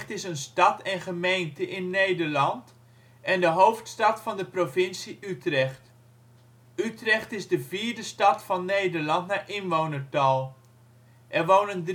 is een stad en gemeente in Nederland en de hoofdstad van de provincie Utrecht. Utrecht is de vierde stad van Nederland naar inwonertal. Er wonen